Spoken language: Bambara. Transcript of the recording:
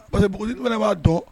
Parce que bo bɛ b'a dɔn